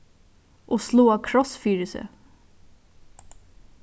og sláa kross fyri seg